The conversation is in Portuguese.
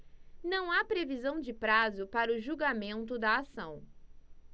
não há previsão de prazo para o julgamento da ação